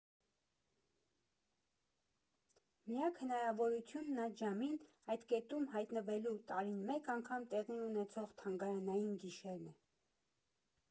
Միակ հնարավորությունն այդ ժամին այդ կետում հայտնվելու՝ տարին մեկ անգամ տեղի ունեցող Թանգարանային գիշերն է։